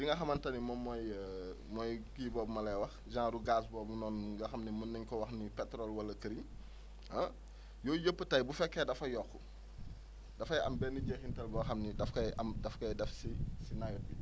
li nga xamante ni moom mooy mooy kii boobu ma lay wax genre gaz boobu noonu nga xam ni mën nañu ko wax ni pétrole wala këriñ ah yooyu yëpp tey bu fekkee dafa yokk dafay am benn jeexintal boo xam ni daf koy am daf koy def si si nawet bi